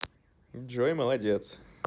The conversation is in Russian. джой молодец